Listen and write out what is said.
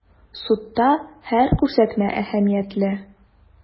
Судта һәр күрсәтмә әһәмиятле.